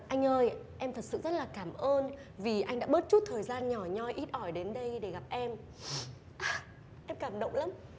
anh ơi em thật sự rất là cảm ơn vì anh đã bớt chút thời gian nhỏ nhoi ít ỏi đến đây để gặp em em cảm động lắm